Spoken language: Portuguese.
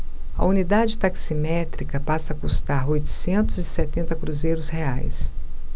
a unidade taximétrica passa a custar oitocentos e setenta cruzeiros reais